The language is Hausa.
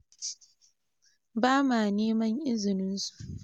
"Ba ma neman izinin su."